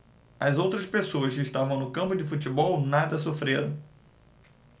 as outras pessoas que estavam no campo de futebol nada sofreram